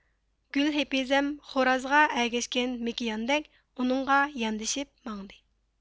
گۈلھېپىزەم خورازغا ئەگەشكەن مېكىياندەك ئۇنىڭغا ياندىشىپ ماڭدى